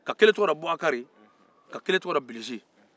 ka kelen tɔgɔ da bubakari ka kelen tɔgɔda bilisi